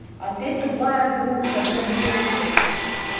а ты тупая груша бердыши